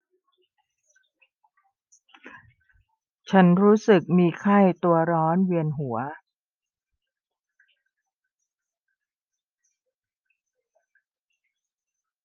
ฉันรู้สึกมีไข้ตัวร้อนเวียนหัว